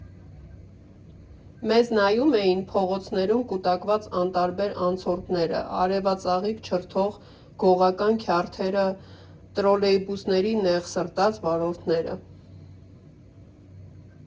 Մեզ նայում էին փողոցներում կուտակված անտարբեր անցորդները, արևածաղիկ չրթող, գողական քյարթերը, տրոլեյբուսների նեղսրտած վարորդները։